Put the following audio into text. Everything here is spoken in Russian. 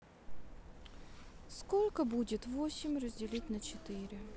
сколько будет восемь разделить на четыре